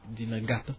dina gàtt